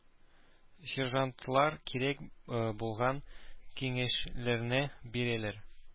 Сержантлар кирәк булган киңәшләрне бирәләр.